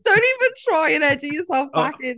Don't even try and edit yourself back in.